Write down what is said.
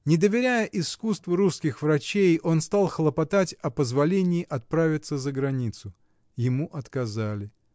Не доверяя искусству русских врачей, он стал хлопотать о позволении отправиться за границу. Ему отказали.